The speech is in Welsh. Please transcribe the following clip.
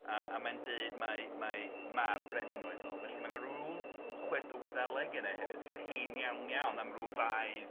A a mae'n deud mai mai mab Brenin oedd o, felly ma' 'na rw chwedl Wyddeleg yna hefyd sy'n hen iawn iawn am ryw faedd